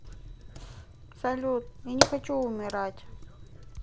салют я не хочу умирать